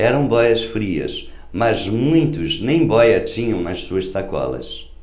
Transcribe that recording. eram bóias-frias mas muitos nem bóia tinham nas suas sacolas